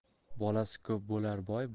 bolasi ko'p bo'lar boy